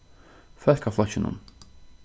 fólkaflokkinum